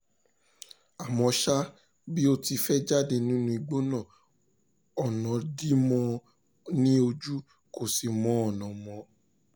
Àmọ́ ṣá, bí ó ti fẹ́ẹ́ jáde nínú igbó náà, ọ̀nà dí mọ́n ọn ní ojú, kò sì mọ ọ̀nà mọ́.